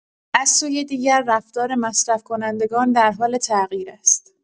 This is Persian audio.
از سوی دیگر رفتار مصرف‌کنندگان در حال تغییر است.